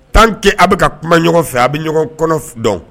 Tant que a' be ka kuma ɲɔgɔn fɛ a be ɲɔgɔn kɔnɔ f dɔn